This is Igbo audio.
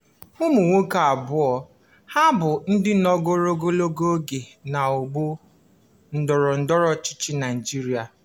Ụmụ nwoke abụọ a bụ ndị nọgọro ogologo oge n'ọgbọ ndọrọ ndọrọ ọchịchị Nigeria.